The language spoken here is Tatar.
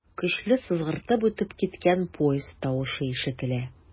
Көчле сызгыртып үтеп киткән поезд тавышы ишетелә.